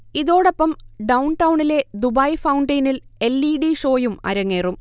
ഇതോടൊപ്പം ഡൗൺടൗണിലെ ദുബായ് ഫൗണ്ടെയിനിൽ എൽ. ഇഡി ഷോയും അരങ്ങേറും